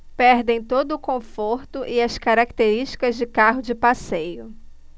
perdem todo o conforto e as características de carro de passeio